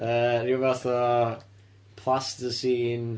Yy, ryw fath o plasticine.